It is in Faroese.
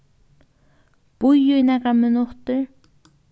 bíðið í nakrar minuttir